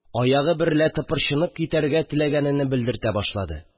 Аягы берлә тыпырчынып китәргә теләгәнене белдертә башлады